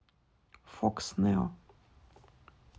фокс нео